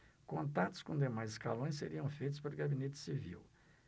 contatos com demais escalões seriam feitos pelo gabinete civil